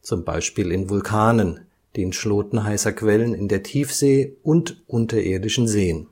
zum Beispiel in Vulkanen, den Schloten heißer Quellen in der Tiefsee (Black Smoker) und unterirdischen Seen